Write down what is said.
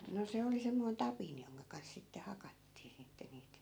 no se oli semmoinen tapin jonka kanssa sitten hakattiin sitten niitä